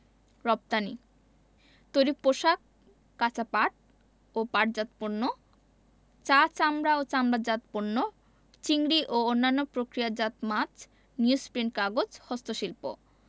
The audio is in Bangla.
রপ্তানিঃ তৈরি পোশাক কাঁচা পাট ও পাটজাত পণ্য চা চামড়া ও চামড়াজাত পণ্য চিংড়ি ও অন্যান্য প্রক্রিয়াজাত মাছ নিউজপ্রিন্ট কাগজ হস্তশিল্প